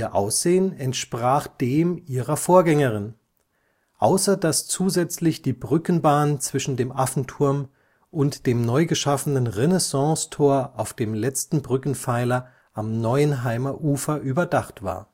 Aussehen entsprach dem ihrer Vorgängerin, außer dass zusätzlich die Brückenbahn zwischen dem Affenturm und dem neu geschaffenen Renaissancetor auf dem letzten Brückenpfeiler am Neuenheimer Ufer überdacht war